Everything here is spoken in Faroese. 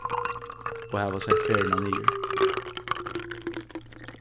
og hava sett ferðina niður